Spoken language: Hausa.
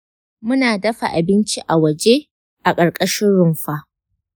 muna dafa abinci a waje a ƙarƙashin rumfa.